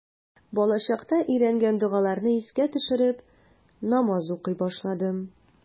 Балачакта өйрәнгән догаларны искә төшереп, намаз укый башладым.